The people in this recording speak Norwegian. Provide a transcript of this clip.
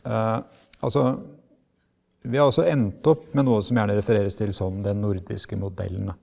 altså, vi har altså endt opp med noe som gjerne refereres til som den nordiske modellen da.